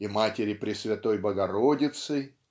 и Матери Пресвятой Богородицы?